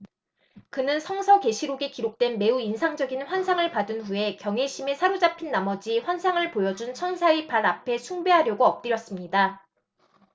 그는 성서 계시록에 기록된 매우 인상적인 환상을 받은 후에 경외심에 사로잡힌 나머지 환상을 보여 준 천사의 발 앞에 숭배하려고 엎드렸습니다